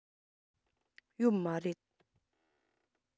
ཡོད མ རེད